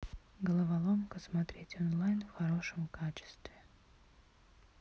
головоломка смотреть онлайн в хорошем качестве